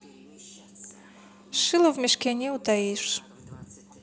шила в мешке не утаишь